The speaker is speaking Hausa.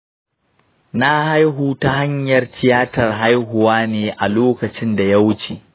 na haihu ta hanyar tiyatan haihuwa ne a lokacin da ya wuce